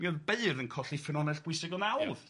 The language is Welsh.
...mi oedd beurdd yn colli ffynonell bwysig o nawdd tibo... Ia.